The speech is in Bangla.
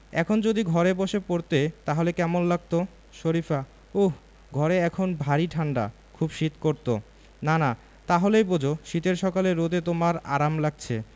এখন যদি ঘরে বসে পড়তে তাহলে কেমন লাগত শরিফা ওহ ঘরে এখন ভারি ঠাণ্ডা খুব শীত করত নানা তা হলেই বোঝ শীতের সকালে রোদে তোমার আরাম লাগছে